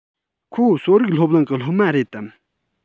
ཁོ གསོ རིག སློབ གླིང གི སློབ མ རེད དམ